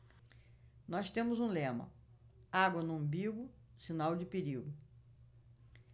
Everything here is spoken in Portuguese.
nós temos um lema água no umbigo sinal de perigo